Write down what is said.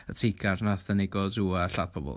Y teigr wnaeth ddengyd o'r sŵ a lladd pobl.